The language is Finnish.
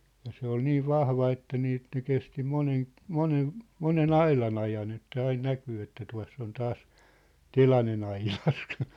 ja se oli niin vahva että niin että ne kesti monen monen monen aidan ajan että aina näkyy että tuossa se on taas telanen aidassa